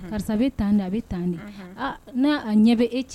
Karisa bɛ tan a bɛ tan ɲɛ bɛ e cɛ